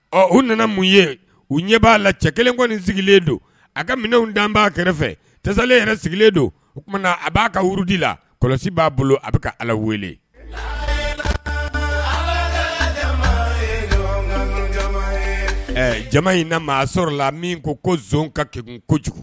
Ɔ u nana mun ye u ɲɛ b'a la cɛ kelen kɔni sigilenlen don a ka minɛn dan b'a kɛrɛfɛ tɛsalen yɛrɛ sigilenlen don o kumana na a b'a kaurudi la kɔlɔsi b'a bolo a bɛ ala wele jama in na maa sɔrɔ la min ko ko z ka kɛ kojugu